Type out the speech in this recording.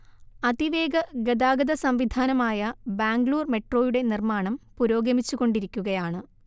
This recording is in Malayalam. അതിവേഗ ഗതാഗത സം‌വിധാനമായ ബാംഗ്ലൂർ മെട്രോയുടെ നിർമ്മാണം പുരോഗമിച്ചു കൊണ്ടിരിക്കുകയാണ്‌